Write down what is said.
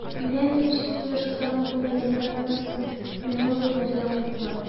Менә ни өчен кояшлы Сабантуй мәйданнарыннан соң моңлы күзләргә кайтыла.